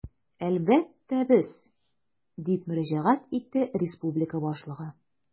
Әлбәттә, без, - дип мөрәҗәгать итте республика башлыгы.